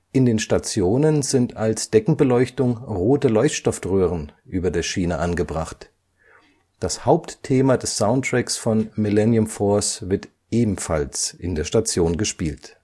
In den Stationen sind als Deckenbeleuchtung rote Leuchtstoffröhren über der Schiene angebracht. Das Hauptthema des Soundtracks von Millennium Force wird ebenfalls in der Station gespielt